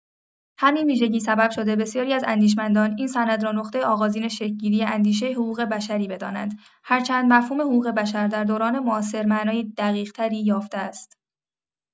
همین ویژگی سبب شده بسیاری از اندیشمندان این سند را نقطه آغازین شکل‌گیری اندیشه حقوق بشری بدانند، هرچند مفهوم حقوق‌بشر در دوران معاصر معنای دقیق‌تری یافته است.